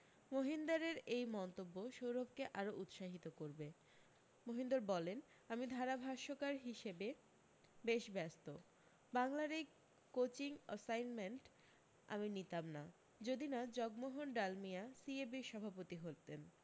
মহিন্দারের এই মন্তব্য সৌরভকে আরও উৎসাহিত করবে মহিন্দর বলেন আমি ধারাভাষ্যকার হিসেবে বেশ ব্যস্ত বাংলার এই কোচিং অসাইনমেণ্ট আমি নিতাম না যদি না জগমোহন ডালমিয়া সিএবির সভাপতি হতেন